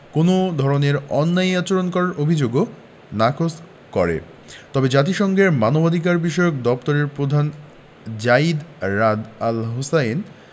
কোনো ধরনের অন্যায় আচরণ করার অভিযোগও নাকচ করে তবে জাতিসংঘের মানবাধিকারবিষয়ক দপ্তরের প্রধান যায়িদ রাদ আল হোসেইন